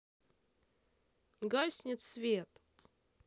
гаснет свет